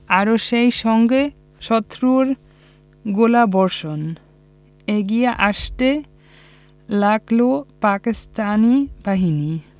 আর সেই সঙ্গে শত্রুর গোলাবর্ষণ এগিয়ে আসতে লাগল পাকিস্তানি বাহিনী